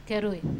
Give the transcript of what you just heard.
Teriw